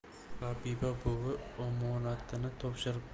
habiba buvi omonatini topshiribdi